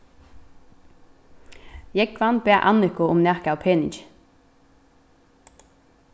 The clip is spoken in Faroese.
jógvan bað anniku um nakað av peningi